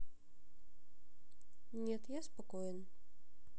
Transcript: нет я спокоен